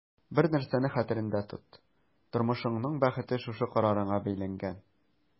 Бер нәрсәне хәтерендә тот: тормышыңның бәхете шушы карарыңа бәйләнгән.